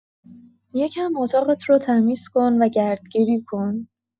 یه کم اتاقت رو تمیز کن و گردگیری کن